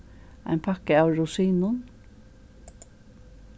ein pakka av rosinum